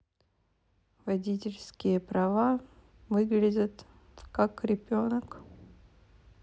водительские права выглядят как ребенок